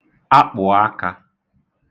akpụ̀akā